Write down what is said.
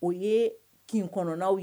O ye kin kɔnɔ n'aw ye